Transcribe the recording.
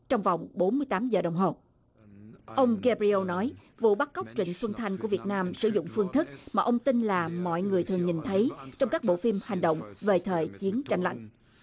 trong vòng bốn tám giờ đồng hồ ông ge ri ô nói vụ bắt cóc trịnh xuân thanh của việt nam sử dụng phương thức mà ông tin là mọi người thường nhìn thấy trong các bộ phim hành động về thời chiến tranh lạnh